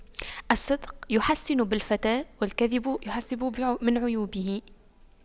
الصدق يحسن بالفتى والكذب يحسب من عيوبه